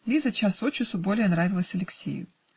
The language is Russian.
Лиза час от часу более нравилась Алексею.